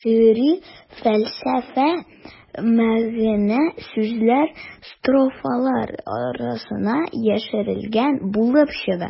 Шигъри фәлсәфә, мәгънә-сүзләр строфалар арасына яшерелгән булып чыга.